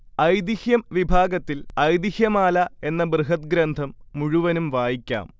ഐതിഹ്യം വിഭാഗത്തിൽ 'ഐതിഹ്യമാല' എന്ന ബൃഹത്ഗ്രന്ഥം മുഴുവനും വായിക്കാം